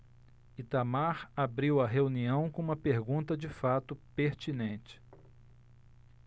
itamar abriu a reunião com uma pergunta de fato pertinente